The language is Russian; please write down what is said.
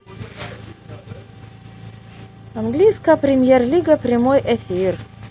английская премьер лига прямой эфир